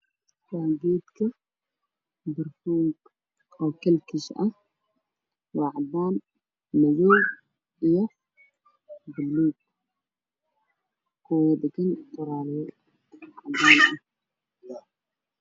Waa kareeman meel ku safan midabkooda yihiin caddaan bluug dhulka ayaalaan waa qaxoo darbiga waa qaxoo cadays